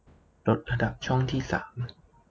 ลดระดับช่องที่สาม